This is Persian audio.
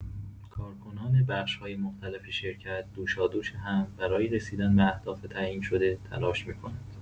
کارکنان بخش‌های مختلف شرکت، دوشادوش هم برای رسیدن به اهداف تعیین‌شده تلاش می‌کنند.